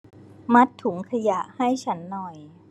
มัดถุงขยะให้ฉันหน่อย